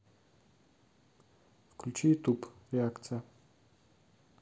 включи ютуб реакция